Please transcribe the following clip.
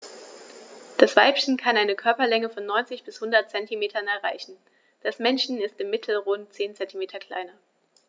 Das Weibchen kann eine Körperlänge von 90-100 cm erreichen; das Männchen ist im Mittel rund 10 cm kleiner.